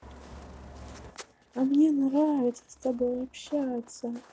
а мне нравится с тобой общаться